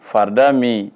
Fada min